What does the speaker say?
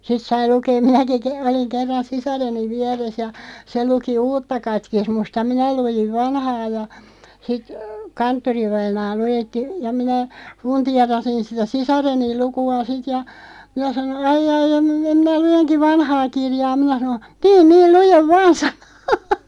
sitten sai lukea minäkin - olin kerran sisareni vieressä ja se luki uutta katekismusta ja minä luin vanhaa ja sitten kanttorivainaa luetti ja minä fundeerasin sitä sisareni lukua sitten ja minä sanoin ai ai en - minä luenkin vanhaa kirjaa” minä sanoin tee niin lue vain sanoi